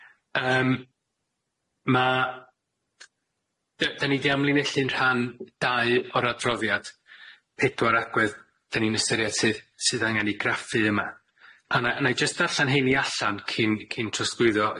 Yym ma d- dan ni di ymlinellu'n rhan dau o'r adroddiad pedwar agwedd dan ni'n ystyried sydd sydd angen i graffu yma a na- a nâi jyst darllan heini allan cyn cyn trosglwyddo